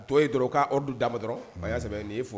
A tɔ ye dɔrɔn u ka ordre d'a ma dɔrɔn